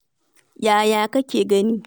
Yaya kake gani?